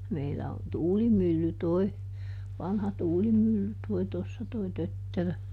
meillä on tuulimylly tuo vanha tuulimylly tuo tuossa tuo tötterö